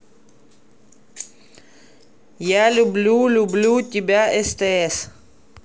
я люблю люблю тебя стс